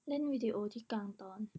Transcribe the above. เล่นวีดิโอที่กลางตอน